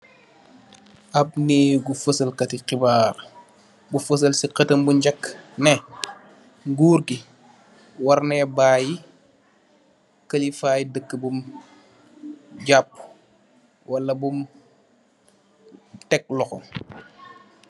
Ab naigu faesael kati khibaar, bu faesael si khadam bu njakeuh, neh ngurr gi war nay baayi, kalifaaye deuk bum japu, wala bum tek lokho.